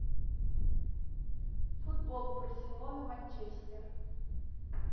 футбол барселона манчестер